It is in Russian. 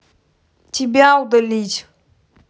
тебя удалить